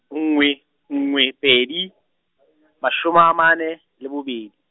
nngwe, nngwe, pedi , mashome a mane, le bobedi.